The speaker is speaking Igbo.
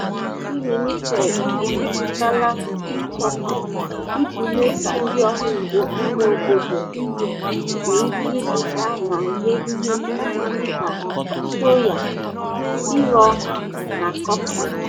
ITC Limited ekepụtala E-Choupal iji mee ka ndịọrụ ugbo ime obodo India nwee ike ịzụta na ree ihe ubi dịka soya, nriọka, na kọfị.